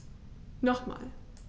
Nochmal.